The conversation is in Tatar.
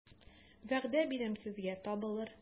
Вәгъдә бирәм сезгә, табылыр...